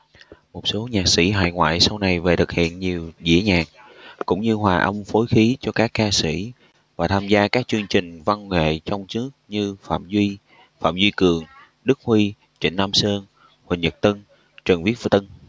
một số nhạc sĩ hải ngoại sau này về thực hiện nhiều dĩa nhạc cũng như hòa âm phối khí cho các ca sĩ và tham gia các chương trình văn nghệ trong nước như phạm duy phạm duy cường đức huy trịnh nam sơn huỳnh nhật tân trần viết tân